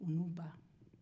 u n'u ba